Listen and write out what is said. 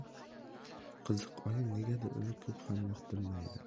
qiziq oyim negadir uni ko'p ham yoqtirmaydi